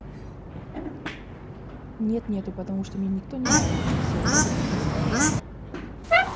нет нету потому что мне никто не нравится все уроды и козлы